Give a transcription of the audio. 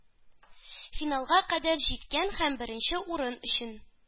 Финалга кадәр җиткән һәм беренче урын өчен